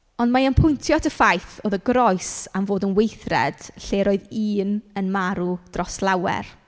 Ond mae e'n pwyntio at y ffaith oedd y groes am fod yn weithred, lle roedd un yn marw dros lawer.